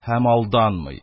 Һәм алданмый.